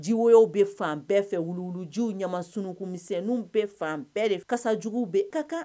Jiwow bɛ fan bɛɛ fɛ wulu jiw ɲas misɛnw bɛɛ fan bɛɛ de kasa jugu bɛɛ ka kan